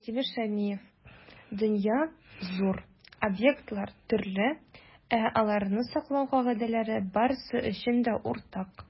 Минтимер Шәймиев: "Дөнья - зур, объектлар - төрле, ә аларны саклау кагыйдәләре - барысы өчен дә уртак".